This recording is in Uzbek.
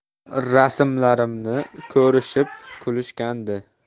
rasmlarimni ko'rishib kulishgandi